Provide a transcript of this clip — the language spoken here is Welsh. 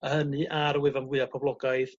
a hynny ar wefan fwyaf poblogaidd